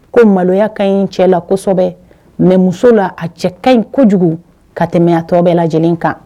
Ko maloya ka ɲi cɛ lasɔ kosɛbɛ mɛ muso la a cɛ ka ɲi kojugu ka tɛmɛyatɔ bɛɛ lajɛ lajɛlen kan